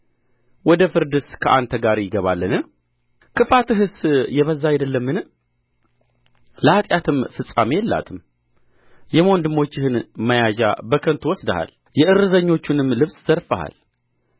ወደ ፍርድስ ከአንተ ጋር ይገባልን ክፋትህስ የበዛ አይደለምን ለኃጢአትህም ፍጻሜ የላትም የወንድሞችህን መያዣ በከንቱ ወስደሃል የእርዘኞቹንም ልብስ ዘርፈሃል